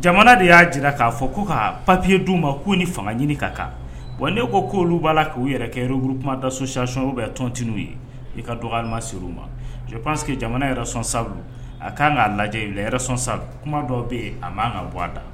jamana de y'a jira k'a fɔ ko k kaa papiye du ma ko ni fanga ɲini ka kan bon ne ko ko olu b'a la k u yɛrɛ kɛururuk dati bɛ tɔnontu ye i ka dɔgɔn u ma tile pa que jamana yɛrɛson sa a k'an kaa lajɛ la kuma dɔ bɛ yen a'an ka bɔ a da